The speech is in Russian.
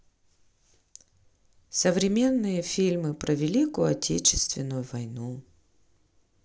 современные фильмы про великую отечественную войну